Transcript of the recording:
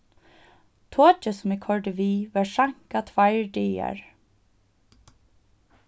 tokið sum eg koyrdi við var seinkað tveir dagar